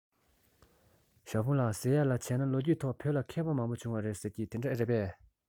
ཞའོ ཧྥུང ལགས ཟེར ཡས ལ བྱས ན ལོ རྒྱུས ཐོག བོད ལ མཁས པ མང པོ བྱུང བ རེད ཟེར གྱིས དེ འདྲ རེད པས